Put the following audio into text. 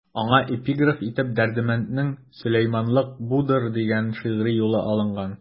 Аңа эпиграф итеп Дәрдмәнднең «Сөләйманлык будыр» дигән шигъри юлы алынган.